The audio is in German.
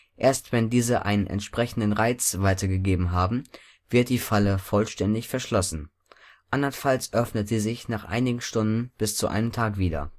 Erst wenn diese einen entsprechenden Reiz weitergegeben haben, wird die Falle vollständig verschlossen, anderenfalls öffnet sie sich nach einigen Stunden bis zu einem Tag wieder